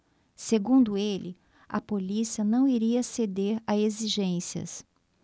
segundo ele a polícia não iria ceder a exigências